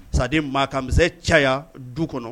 C'est à dire maakamisɛ caya du kɔnɔ